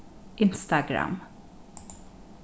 instagram